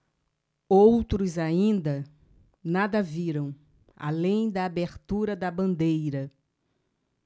outros ainda nada viram além da abertura da bandeira